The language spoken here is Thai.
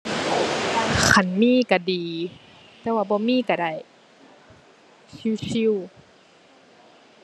คันมีก็ดี แต่ว่าบ่มีก็ได้ ชิลชิล